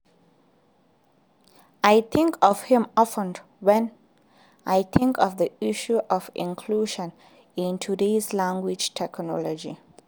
I think of him often when I think of the issues of inclusion in today’s language technology.